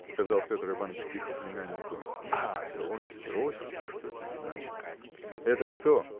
– сказал Петр Иваныч тихо племяннику. – Ба! да он с тростью: что это значит? – Это что?